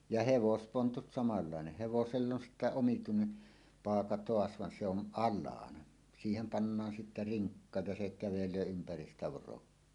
ja hevospontut samanlainen hevoselle on sitten omituinen paaka taas vaan se on alhaalla siihen pannaan sitten rinkka ja se kävelee ympäri sitä vorokkia